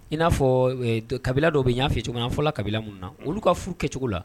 In n'a fɔ kabila dɔw bɛ'a ficogo fɔlɔ kabila mun na olu ka furu kɛcogo la